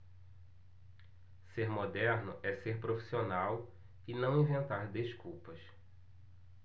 ser moderno é ser profissional e não inventar desculpas